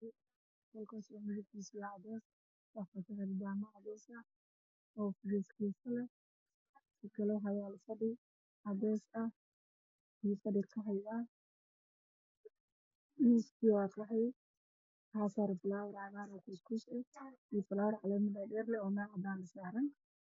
Meeshan waa qol waxaa yaalla fadhaca bees ah iyo miis miiska midabkiisu waa qaxwi